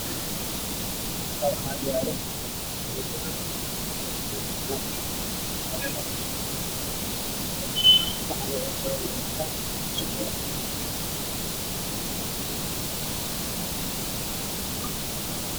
Waa shabaq waxaa ku jira liin midabkeedii yahay jaalo